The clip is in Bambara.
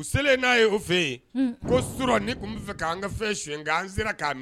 U selen n'a ye o fɛ ye ko su ni tun bɛ fɛ k'an ka fɛn sen nka an sera k'a